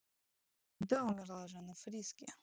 когда умерла жанна фриске